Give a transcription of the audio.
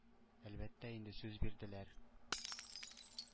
Әлбәттә инде, сүз бирделәр.